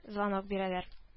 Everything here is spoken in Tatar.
Звонок бирәләр